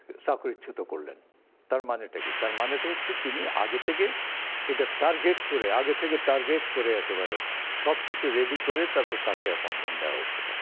চাকুরিচ্যুত করলেন তার মানে টা কি তার মানেটা হচ্ছে তিনি আগে থেকেই এটা একটা টার্গেট করে আগে থেকে টার্গেট করে একেবারে সব কিছু রেডি করে তারপর তাকে অ্যাপয়েন্টমেন্ট দেয়া হয়েছিল